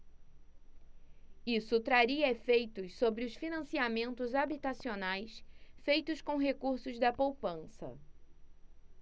isso traria efeitos sobre os financiamentos habitacionais feitos com recursos da poupança